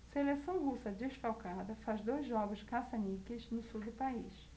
seleção russa desfalcada faz dois jogos caça-níqueis no sul do país